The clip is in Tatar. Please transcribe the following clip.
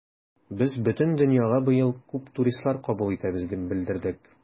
Без бөтен дөньяга быел күп туристлар кабул итәбез дип белдердек.